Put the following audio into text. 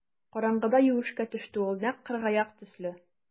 Караңгыда юешкә төште ул нәкъ кыргаяк төсле.